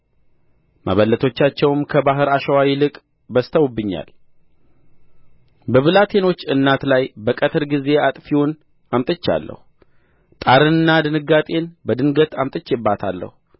መበለቶቻቸውም ከባሕር አሸዋ ይልቅ በዝተውብኛል በብላቴኖች እናት ላይ በቀትር ጊዜ አጥፊውን አምጥቻለሁ ጣርንና ድንጋጤን በድንገት አምጥቼባታለሁ